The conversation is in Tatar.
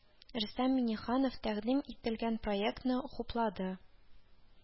Рөстәм Миңнеханов тәкъдим ителгән проектны хуплады